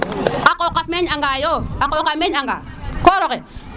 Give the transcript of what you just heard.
a qoqa meñ a ga yo a qoqa meñ a ga koro xe